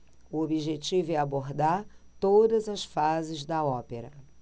o objetivo é abordar todas as fases da ópera